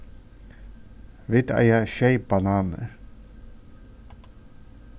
vit eiga sjey bananir